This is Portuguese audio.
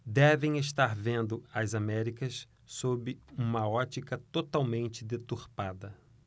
devem estar vendo as américas sob uma ótica totalmente deturpada